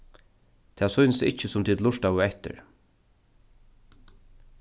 tað sýnist ikki sum tit lurtaðu eftir